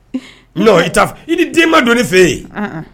Non i t'a f i ni den ma don ne fe yen un un